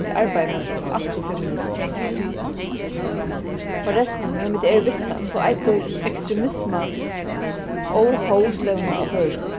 kunnu arbeiða ímótur antifeminismu forrestin meðan vit eru við tað so eitur ekstremisma óhóvstevna á føroyskum